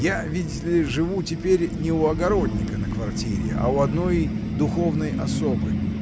Я, видите ли, живу теперь не у огородника на квартире, а у одной духовной особы.